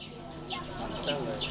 tàngaay bi